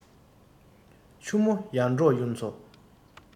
ཆུ མོ ཡར འབྲོག གཡུ མཚོ